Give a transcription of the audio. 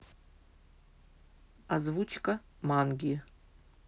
озвучка манги